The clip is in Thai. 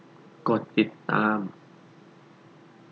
กดติดตาม